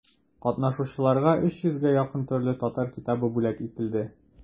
Катнашучыларга өч йөзгә якын төрле татар китабы бүләк ителде.